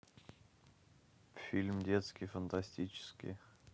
фильм детский фантастический